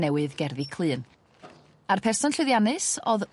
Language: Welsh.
newydd gerddi Clun. A'r person llwyddiannus o'dd...